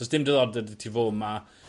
do's dim diddordeb 'dy ti fo' 'ma.